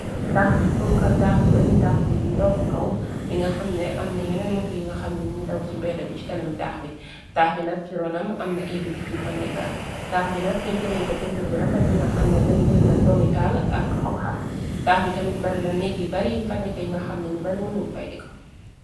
Taax bu pënkal taax bu rëy taax bu njoow ci kaw. Bi nga xamne amna yeneen muto yi nga xamnañu ngi daw ci beeda bi c kana mi taax bi. Taax bi nag ci ronam amna e-bitiki fnektaax bi nag pintur nañ ko pintur bu refet. Bi nga xamne dem jëlna domital ak hongha. Taax bi tamit barina nekk yi bari faneka. Yi nga xam nañu bari mu nañ fay diko.